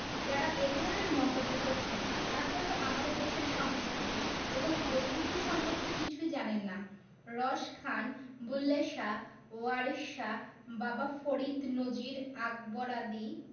যাঁরা এ ধরনের মন্তব্য করছেন তাঁরা হয়তো আমাদের দেশের সংস্কৃতি এবং ঐতিহ্য সম্পর্কে কিছুই জানেন না রস খান বুল্লে শাহ ওয়ারিশ শাহ বাবা ফরিদ নজির আকবরাবাদি